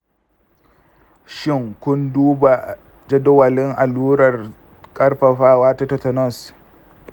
shin kun duba jadawalin allurar ƙarfafawa ta tetanus?